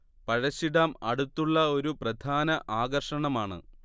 Pazhassi dam അടുത്തുള്ള ഒരു പ്രധാന ആകർഷണമാണ്